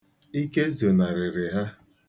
Ike zonarịrị ha.